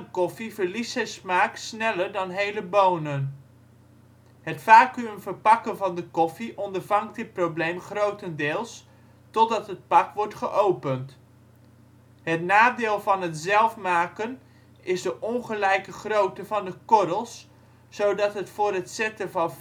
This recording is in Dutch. koffie verliest zijn smaak sneller dan hele bonen. Het vacuüm verpakken van de koffie ondervangt dit probleem grotendeels (totdat het pak wordt geopend). Het nadeel van het zelf malen is de ongelijke grootte van de korrels, zodat het voor het zetten van